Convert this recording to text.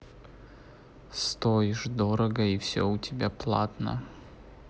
стоишь дорого и все у тебя платно